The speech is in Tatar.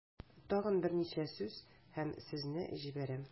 Тагын берничә сүз һәм сезне җибәрәм.